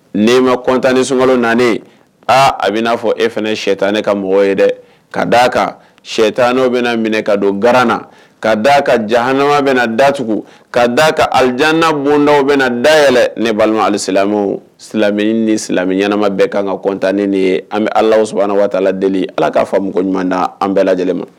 Ni ma kɔntan ni sunka naen aa a bɛ n'a fɔ e fana sɛ tan ne ka mɔgɔw ye dɛ ka d' aa kan sɛ tan' bɛna minɛ ka don garanana ka d'a ka jaanama bɛ dat ka d'a ka ali janana bonda bɛ na day ne' ali silamɛ silamɛini ni silamɛ ɲɛnaɛnɛma bɛɛ kan katannen ye an bɛ ala sɔrɔ waati la deli ala k'a fa mɔgɔ ɲumanda an bɛɛ lajɛlen ma